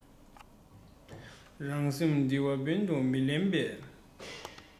རང སེམས འདུལ བ འབེམ དུ མི ལེན པའི